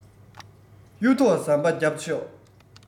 གཡུ ཐོག ཟམ པ བརྒྱབ ཤོག